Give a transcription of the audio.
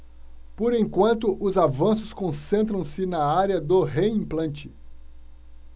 por enquanto os avanços concentram-se na área do reimplante